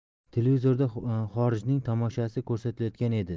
televizorda xorijning tamoshasi ko'rsatilayotgan edi